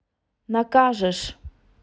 накажешь